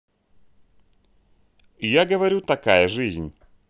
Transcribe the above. я говорю такая жизнь